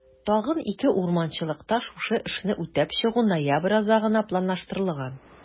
Тагын 2 урманчылыкта шушы эшне үтәп чыгу ноябрь азагына планлаштырылган.